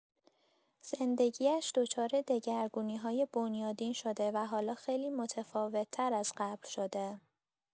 زندگی‌اش دچار دگرگونی‌های بنیادین شده و حالا خیلی متفاوت‌تر از قبل شده.